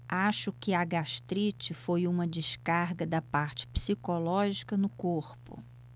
acho que a gastrite foi uma descarga da parte psicológica no corpo